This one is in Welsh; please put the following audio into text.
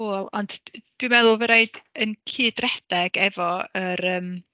Wel, ond dwi'n meddwl fydd raid yn cydredeg efo yr yym...